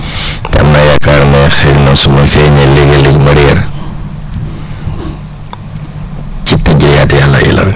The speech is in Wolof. am naa yaakaar ne xëy na su ma feeñee léeg-léeg ma réer ci ****